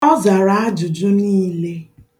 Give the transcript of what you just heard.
Ọ zara ajụjụ niile.